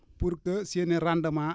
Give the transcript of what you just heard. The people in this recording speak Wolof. pour que seen i rendements